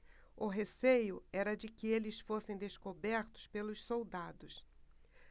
o receio era de que eles fossem descobertos pelos soldados